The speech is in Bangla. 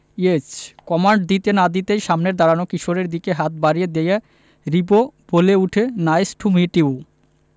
ইয়েস কমান্ড দিতে না দিতেই সামনের দাঁড়ানো কিশোরের দিকে হাত বাড়িয়ে দিয়ে রিবো বলে উঠে নাইস টু মিট ইউ